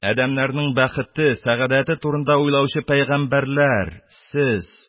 Адәмнәрнең бәхете, сәгадәте турында уйлаучы пигамбәрләр, сез,